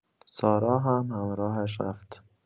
سارا هم همراهش رفت.